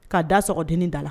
K kaa da sɔgɔdennin da la